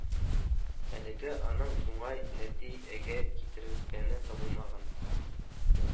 Әлегә аның уңай нәти әгә китергәне табылмаган